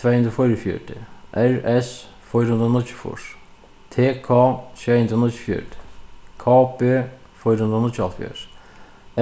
tvey hundrað og fýraogfjøruti r s fýra hundrað og níggjuogfýrs t k sjey hundrað og níggjuogfjøruti k b fýra hundrað og níggjuoghálvfjerðs